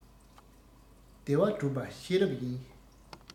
བདེ བ བསྒྲུབ པ ཤེས རབ ཡིན